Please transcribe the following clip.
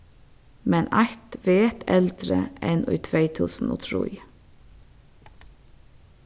men eitt vet eldri enn í tvey túsund og trý